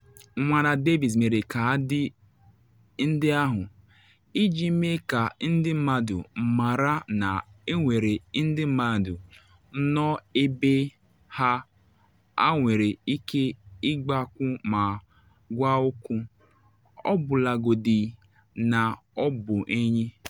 Nwada Davis mere kaadị ndị ahụ, “iji mee ka ndị mmadụ mara na enwere ndị mmadụ nọ ebe a ha nwere ike ịgakwu ma gwa okwu, ọbụlagodi na ọ bụ enyi.